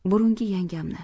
burungi yangamni